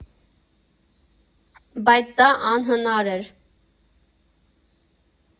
Բայց դա անհնար էր։